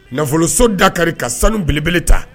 Nafoloso da kari ka sanu belebele ta